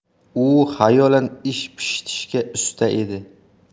u xayolan ish pishitishga usta edi